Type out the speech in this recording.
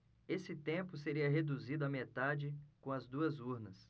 esse tempo seria reduzido à metade com as duas urnas